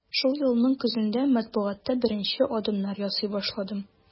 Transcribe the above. Шул елның көзендә матбугатта беренче адымнар ясый башладым.